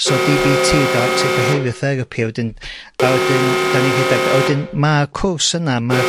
So dee bee tee dialectic behaviour therapy a wedyn a wedyn 'dan ni'n rhedeg... A wedyn ma'r cwrs yna ma'r